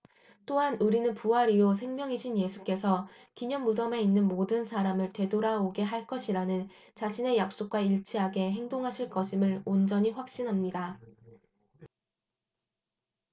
또한 우리는 부활이요 생명이신 예수께서 기념 무덤에 있는 모든 사람을 되돌아오게 할 것이라는 자신의 약속과 일치하게 행동하실 것임을 온전히 확신합니다